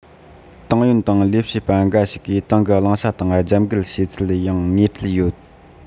ཏང ཡོན དང ལས བྱེད པ འགའ ཞིག གིས ཏང གི བླང བྱ དང རྒྱབ འགལ བྱས ཚུལ ཡང དངོས འབྲེལ ཡོད